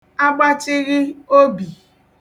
agbachịghị obì